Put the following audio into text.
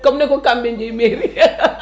comme ne ko kamɓe jeeyi mairie